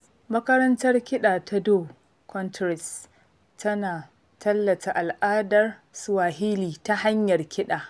Makarantar kiɗa ta Dhow Countries tana tallata al'adar Swahili ta hanyar kiɗa